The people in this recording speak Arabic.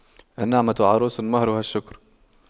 النعمة عروس مهرها الشكر